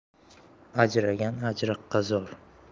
ajragan ajriqqa zor